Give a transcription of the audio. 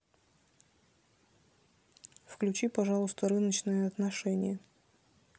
включи пожалуйста рыночные отношения